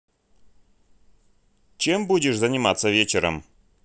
чем будешь заниматься вечером